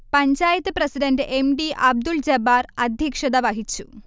Panchayat president M. T. Abdul Jabbar അധ്യക്ഷതവഹിച്ചു